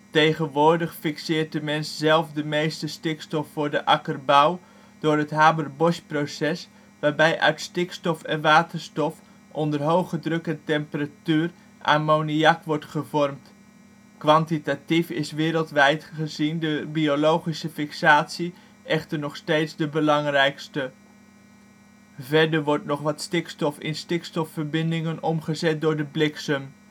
Tegenwoordig fixeert de mens zelf de meeste stikstof voor de akkerbouw door het Haber-Boschproces waarbij uit stikstof en waterstof onder hoge druk en temperatuur ammoniak wordt gevormd. Kwantitatief is wereldwijd bezien de biologische fixatie echter nog steeds de belangrijkste. Verder wordt nog wat stikstof in stikstofverbindingen omgezet door de bliksem